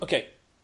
Oce.